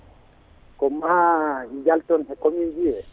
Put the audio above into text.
koma jalten e *